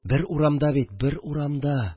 Бер урамда бит, бер урамда